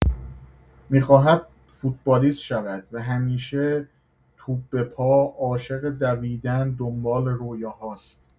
می‌خواهد فوتبالیست شود و همیشه توپ به پا عاشق دویدن دنبال رویاهاست.